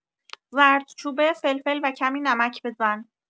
زردچوبه، فلفل و کمی نمک بزن.